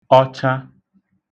ọcha